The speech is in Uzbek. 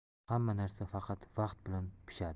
hamma narsa faqat vaqt bilan pishadi